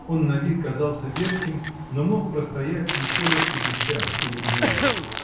он на вид казался ветхим, но мог простоять еще лет пятьдесят или более.